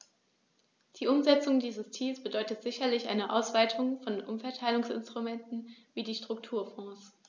Die Umsetzung dieses Ziels bedeutet sicherlich eine Ausweitung von Umverteilungsinstrumenten wie die Strukturfonds.